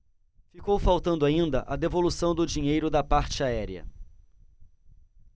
ficou faltando ainda a devolução do dinheiro da parte aérea